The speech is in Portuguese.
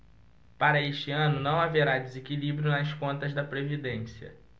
para este ano não haverá desequilíbrio nas contas da previdência